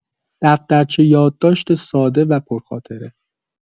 دفترچه یادداشت ساده و پرخاطره